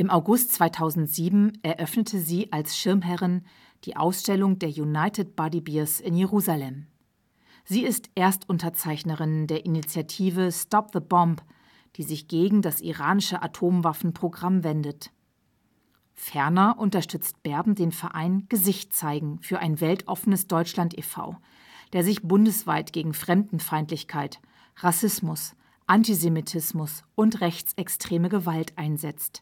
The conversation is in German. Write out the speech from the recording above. August 2007 eröffnete sie als Schirmherrin die Ausstellung der United Buddy Bears in Jerusalem. Sie ist Erstunterzeichnerin der Initiative Stop the Bomb, die sich gegen das iranische Atomwaffenprogramm wendet. Ferner unterstützt Berben den Verein Gesicht Zeigen! Für ein weltoffenes Deutschland e. V., der sich bundesweit gegen Fremdenfeindlichkeit, Rassismus, Antisemitismus und rechtsextreme Gewalt einsetzt